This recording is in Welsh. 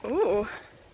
Ww!